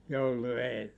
joulu edellä